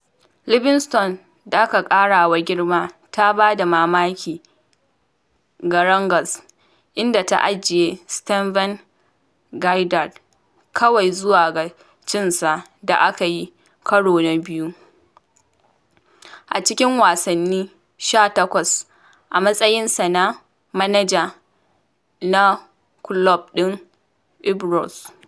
Livingston da aka ƙara wa girma ta ba da mamaki ga Rangers inda ta ajiye Steven Gerrard kawai zuwa ga cinsa da aka yi karo na biyu a cikin wasanni 18 a matsayinsa na manaja na kulob ɗin Ibrox.